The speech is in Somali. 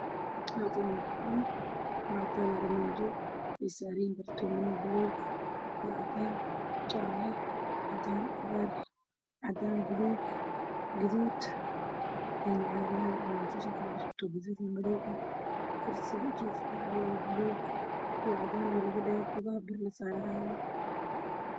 Meeshan maxaa yeelay sariir midabkeedii buluug iyo alaab kale waana tuka